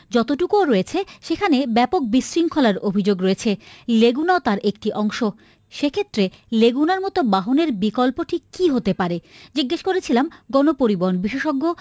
যতটুকু ও রয়েছে সেখানে ব্যাপক বিশৃংখলার অভিযোগ রয়েছে লেগুনা তার একটি অংশ সে ক্ষেত্রে লেগুনার মত বাহনের বিকল্প ঠিক কি হতে পারে জিজ্ঞেস করেছিলাম গণপরিবহন বিশেষজ্ঞ